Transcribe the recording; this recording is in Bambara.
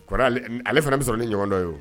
Ale fana bɛ sɔrɔ ni ɲɔgɔntɔn ye